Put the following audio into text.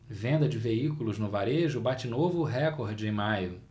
venda de veículos no varejo bate novo recorde em maio